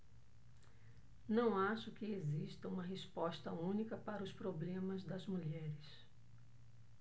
não acho que exista uma resposta única para os problemas das mulheres